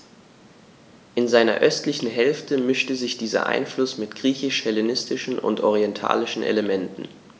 In seiner östlichen Hälfte mischte sich dieser Einfluss mit griechisch-hellenistischen und orientalischen Elementen.